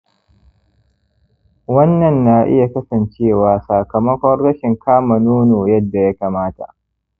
wannan na iya kasancewa sakamakon rashin kama nono yadda ya kamata.